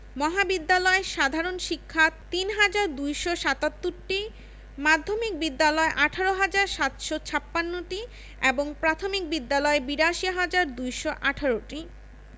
মহাবিদ্যালয় সাধারণ শিক্ষা ৩হাজার ২৭৭টি মাধ্যমিক বিদ্যালয় ১৮হাজার ৭৫৬টি এবং প্রাথমিক বিদ্যালয় ৮২হাজার ২১৮টি